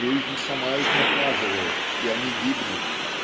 Жизнь сама их наказывает, и они гибнут.